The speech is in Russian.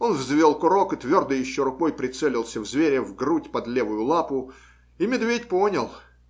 Он взвел курок и твердой еще рукой прицелился в зверя, в грудь под левую лапу. И медведь понял.